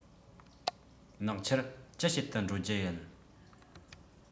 ནག ཆུར ཅི བྱེད དུ འགྲོ རྒྱུ ཡིན